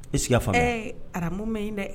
I sigi fa ɛɛ ara mɛn ɲi dɛ